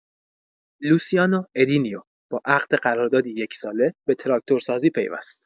لوسیانو ادینیو با عقد قراردادی یک‌ساله به تراکتورسازی پیوست